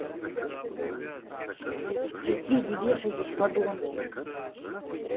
соседи вешайтесь подонки